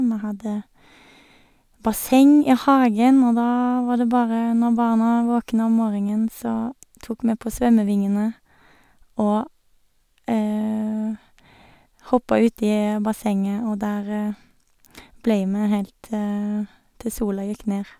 Vi hadde basseng i hagen, og da var det bare når barna våkna om morgenen, så tok vi på svømmevingene og hoppa uti bassenget, og der ble vi helt til til sola gikk ned.